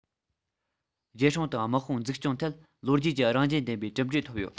རྒྱལ སྲུང དང དམག དཔུང འཛུགས སྐྱོང ཐད ལོ རྒྱུས ཀྱི རང བཞིན ལྡན པའི གྲུབ འབྲས ཐོབ ཡོད